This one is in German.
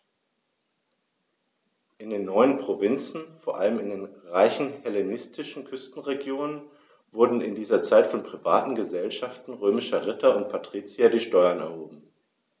In den neuen Provinzen, vor allem in den reichen hellenistischen Küstenregionen, wurden in dieser Zeit von privaten „Gesellschaften“ römischer Ritter und Patrizier die Steuern erhoben.